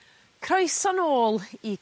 Croeso nôl i...